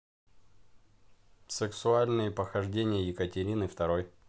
сексуальные похождения екатерины второй